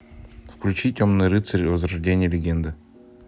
включи темный рыцарь возрождение легенды